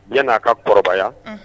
N yan n' aa ka kɔrɔbaya